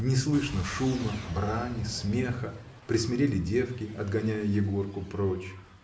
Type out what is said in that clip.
Не слышно шума, брани, смеха, присмирели девки, отгоняя Егорку прочь.